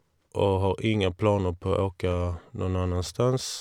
Og har ingen planer på å åke noen annensteds.